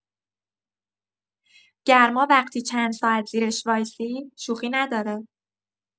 گرما وقتی چند ساعت زیرش وایسی، شوخی نداره.